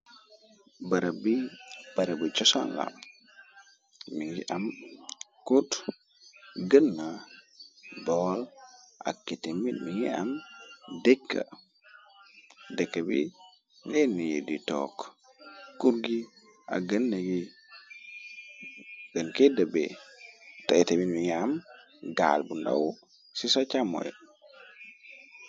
Barab bi barabi chosan la mi ngi am kutt gën na bool ak kite mit mi ngi am dékk dekk bi leenuye di tokk kur gi ak n gën ki debe teite mit mi ngi am gaal bu ndaw ci sa chamoy.